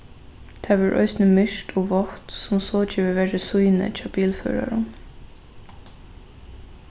tað verður eisini myrkt og vátt sum so gevur verri sýni hjá bilførarum